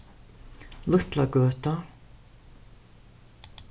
lítlagøta